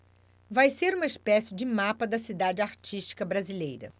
vai ser uma espécie de mapa da cidade artística brasileira